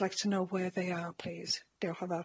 I'd like to know where they are please. Diolch yn fawr.